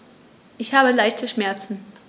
Ich habe leichte Schmerzen.